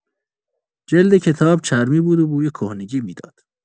جلد کتاب چرمی بود و بوی کهنگی می‌داد.